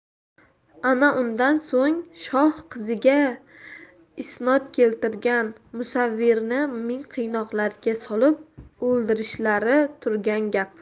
ana undan so'ng shoh qiziga isnod keltirgan musavvirni ming qiynoqlarga solib o'ldirishlari turgan gap